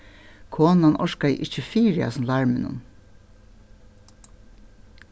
konan orkaði ikki fyri hasum larminum